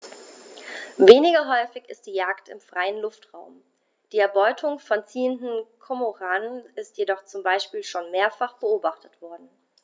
Weniger häufig ist die Jagd im freien Luftraum; die Erbeutung von ziehenden Kormoranen ist jedoch zum Beispiel schon mehrfach beobachtet worden.